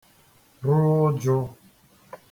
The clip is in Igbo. ru ụjụ̄